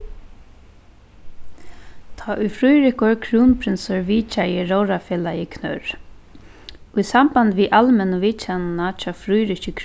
tá ið fríðrikur krúnprinsur vitjaði róðrarfelagið knørr í sambandi við almennu vitjanina hjá fríðriki